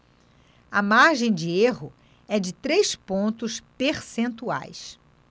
a margem de erro é de três pontos percentuais